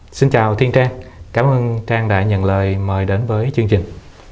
xin chào thiên trang cám ơn trang đã nhận lời mời đến với chương trình